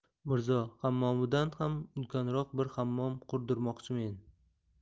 mirzo hammomidan ham ulkanroq bir hammom qurdirmoqchimen